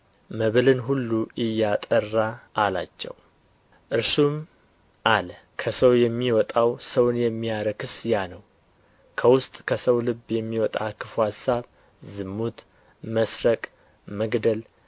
መብልን ሁሉ እያጠራ አላቸው እርሱም አለ ከሰው የሚወጣው ሰውን የሚያረክስ ያ ነው ከውስጥ ከሰው ልብ የሚወጣ ክፉ አሳብ ዝሙት መስረቅ መግደል